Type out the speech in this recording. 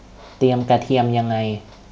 เตรียมกระเทียมยังไง